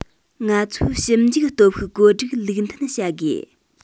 ང ཚོའི ཞིབ འཇུག སྟོབས ཤུགས བཀོད སྒྲིག ལུགས མཐུན བྱ དགོས